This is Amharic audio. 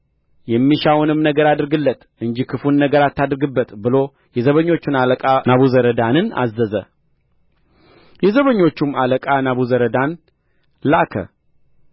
የሚሻውንም ነገር አድርግለት እንጂ ክፉን ነገር አታድርግበት ብሎ የዘበኞቹን አለቃ ናቡዘረዳንን አዘዘ የዘበኞቹም አለቃ ናቡዘረዳን ላከ